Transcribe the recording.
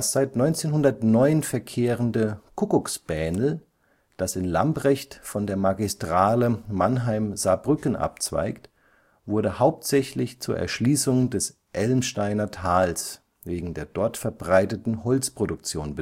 seit 1909 verkehrende Kuckucksbähnel, das in Lambrecht von der Magistrale Mannheim – Saarbrücken abzweigt, wurde hauptsächlich zur Erschließung des Elmsteiner Tals wegen der dort verbreiteten Holzproduktion